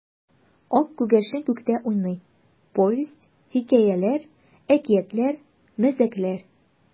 Ак күгәрчен күктә уйный: повесть, хикәяләр, әкиятләр, мәзәкләр.